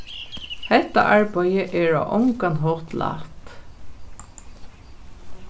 hetta arbeiðið er á ongan hátt lætt